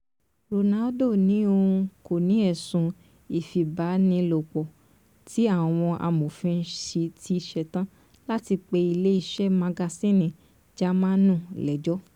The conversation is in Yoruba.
Ronaldo ní òun kò ní ẹ̀sùn ìfipabanilòpọ̀ tí àwọn amòfin sì ti ṣetán láti pe ilé iṣẹ́ Magazínnì Jámánù lẹ́jọ́